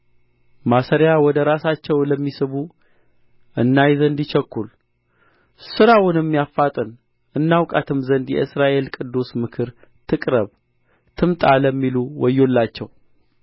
ማሰሪያ ወደ ራሳቸው ለሚስቡ እናይ ዘንድ ይቸኵል ሥራውንም ያፋጥን እናውቃትም ዘንድ የእስራኤል ቅዱስ ምክር ትቅረብ ትምጣ ለሚሉ ወዮላቸው